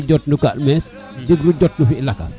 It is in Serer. jegiro jot no ka mees jeguro jot no ti lakas